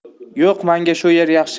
yo'q mango shu yer yaxshi